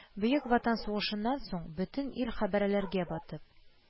Бөек Ватан сугышыннан соң, бөтен ил хәрабәләргә батып,